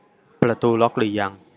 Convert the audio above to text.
ประตูล็อคหรือยัง